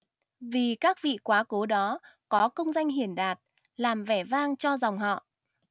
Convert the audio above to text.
vì các vị quá cố đó có công danh hiển đạt làm vẻ vang cho dòng họ